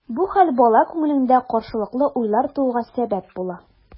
Бу хәл бала күңелендә каршылыклы уйлар тууга сәбәп була.